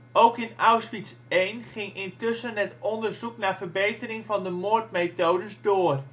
Ook in Auschwitz I ging intussen het onderzoek naar verbetering van de moordmethodes door